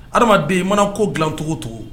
Adamaden mana ko dilacogo tugun